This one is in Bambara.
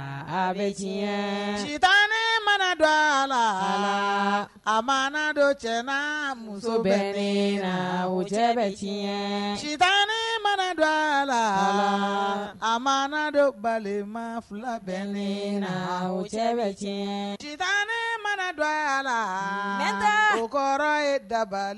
Saba sita ne mana dɔ a la a ma dɔ cɛ muso bɛ ne la wo cɛ bɛ sita ne mana dɔ a la a ma dɔ bali ma fila bɛ ne la cɛ bɛ diɲɛ ci ne mana dɔ a la n tɛ kɔrɔ ye dabali